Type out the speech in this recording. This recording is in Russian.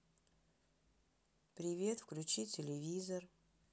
привет включи телевизор